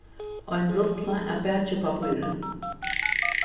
ein rulla av bakipappíri